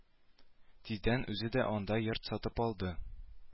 Тиздән үзе дә анда йорт сатып алды